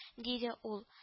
- диде ул